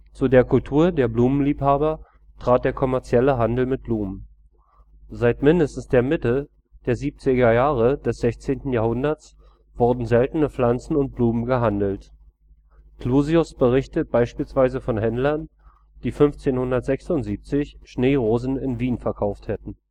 Zu der Kultur der Blumenliebhaber trat der kommerzielle Handel mit Blumen. Seit mindestens der Mitte der 70er Jahre des 16. Jahrhunderts wurden seltene Pflanzen und Blumen gehandelt. Clusius berichtet beispielsweise von Händlern, die 1576 Schneerosen in Wien verkauft hätten